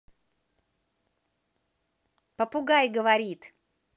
попугай говорит